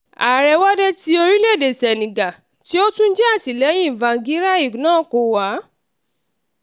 Ààrẹ Wade tí orílẹ̀-èdè Senegal, tí ó tún jẹ́ alátìlẹ́yìn Tsvangirai, náà kò wá.